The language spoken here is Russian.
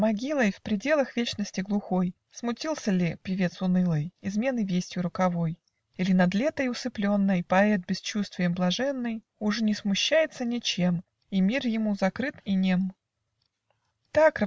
за могилой В пределах вечности глухой Смутился ли, певец унылый, Измены вестью роковой, Или над Летой усыпленный Поэт, бесчувствием блаженный, Уж не смущается ничем, И мир ему закрыт и нем?. Так!